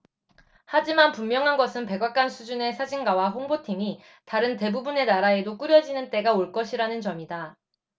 하지만 분명한 것은 백악관 수준의 사진가와 홍보팀이 다른 대부분의 나라에도 꾸려지는 때가 올 것이라는 점이다